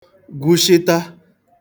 gwushịta